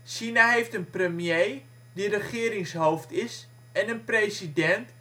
China heeft een premier, die regeringshoofd is, en een president